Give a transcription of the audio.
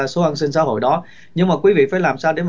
số an sinh xã hội đó nhưng mà quý vị phải làm sao để